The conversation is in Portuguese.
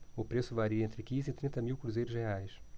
o preço varia entre quinze e trinta mil cruzeiros reais